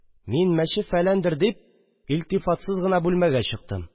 Мин, мәче-фәләндер дип, илтифатсыз гына бүлмәгә чыктым